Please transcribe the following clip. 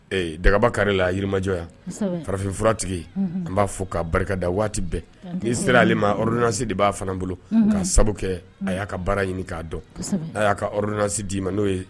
Dagaba kari la jirimajɔya farafinf furatigi b'a fɔ kaa barikada waati bɛɛ ni'i sera ale ma orunaansi de b'a fana bolo k'a sababu kɛ a y'a ka baara ɲini k'a dɔn a y'a ka yɔrɔrunaansi d'i ma n'o ye